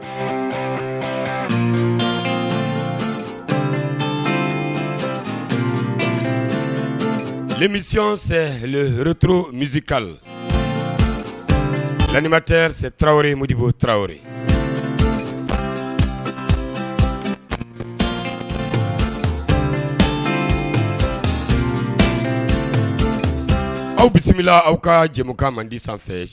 Misi se hturu misika la ma tɛ se taraweleɔri ye mobo taraweleo aw bisimila aw ka jɛmukan man di sanfɛ